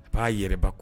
A'a yɛrɛ ko